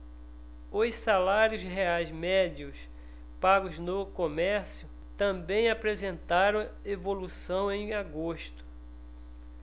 os salários reais médios pagos no comércio também apresentaram evolução em agosto